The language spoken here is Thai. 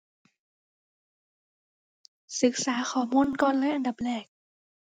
ศึกษาข้อมูลก่อนเลยอันดับแรก